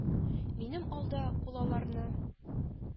Минем алда ул аларны